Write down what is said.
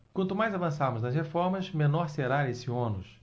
quanto mais avançarmos nas reformas menor será esse ônus